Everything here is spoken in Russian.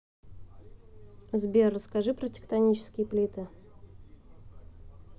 сбер расскажи про тектонические плиты